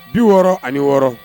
Bi wɔɔrɔ ani wɔɔrɔ